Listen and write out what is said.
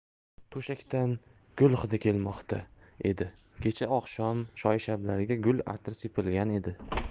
to'shakdan gul hidi kelmoqda edi kecha oqshom choyshablarga gul atri sepilgan edi